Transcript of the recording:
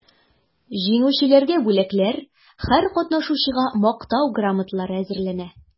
Җиңүчеләргә бүләкләр, һәр катнашучыга мактау грамоталары әзерләнә.